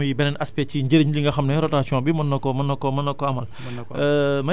loolu tamit muy beneen aspect ci njëriñ bi nga xam ne rotation bi mun na ko mun na ko mun na ko amal